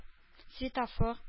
Светофор